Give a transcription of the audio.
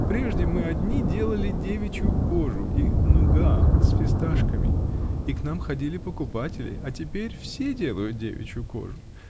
Прежде мы одни делали девичью ё кожу и нуга с фисташками -- и к нам ходили покупатели, а теперь все делают девичью кожу!!